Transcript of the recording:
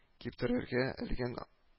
Киптерергә элгән